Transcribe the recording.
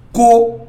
Ko